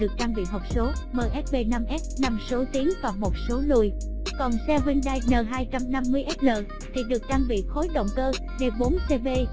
và được trang bị hộp số msb s số tiến và số lùi còn xe hyundai n thì được trang bị khối động cơ d cb